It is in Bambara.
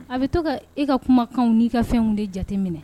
A bɛ to ka e ka kumakan n'i ka fɛnw de jate minɛ